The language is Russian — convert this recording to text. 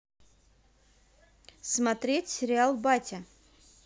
смотреть сериал батя